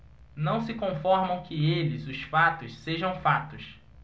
não se conformam que eles os fatos sejam fatos